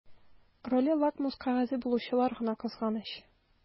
Роле лакмус кәгазе булучылар гына кызганыч.